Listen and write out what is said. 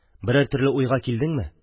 Берәр төрле уйга килдеңме?